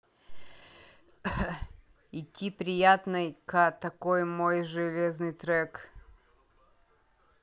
идти приятной ка такой мой железный трек